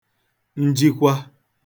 njikwa